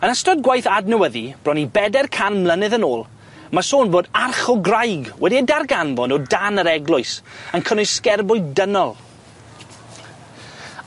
Yn ystod gwaith adnewyddi bron i beder can mlynedd yn ôl ma' sôn bod arch o graig wedi'i darganfon o dan yr eglwys yn cynnwys sgerbwyd dynol.